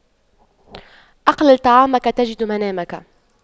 أقلل طعامك تجد منامك